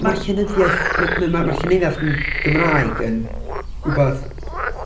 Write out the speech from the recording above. Ma'r llenyddiaeth, m- m- mae o, ma'r llenyddiaeth n- Gymraeg yn, rywbeth